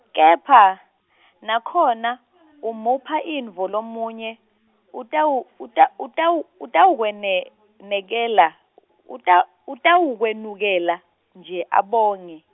kepha , nakhona, umupha intfo lomunye, utawu- uta- utawu- utawukwene-, -nekela, uta- utawukwemukela, nje, abonge.